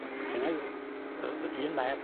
Gennai yy yy un meb.